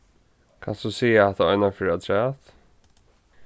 kanst tú siga hatta einaferð afturat